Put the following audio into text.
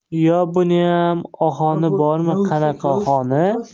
yo buniyam ohoni bormi qanaqa ohoni